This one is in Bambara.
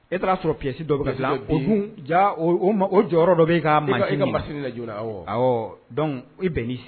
E taara y'a sɔrɔ psi dɔ bɛ fila okun ja o jɔyɔrɔ dɔ bɛ ka maa na la ɔ dɔn i bɛn